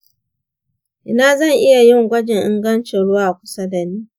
ina zan iya yin gwajin ingancin ruwa a kusa da nan?